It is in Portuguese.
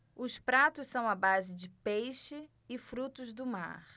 os pratos são à base de peixe e frutos do mar